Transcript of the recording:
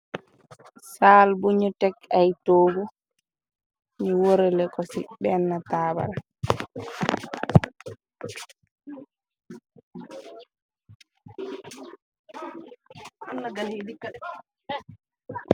Saal buñu tegg ay toogu yi wërale ko ci benn taabal.